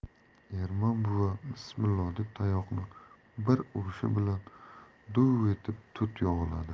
ermon buva bismillo deb tayoqni bir urishi bilan duv etib tut yog'iladi